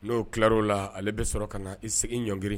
N'o tilar'o la ale be sɔrɔ kana i sigi i ɲɔngiri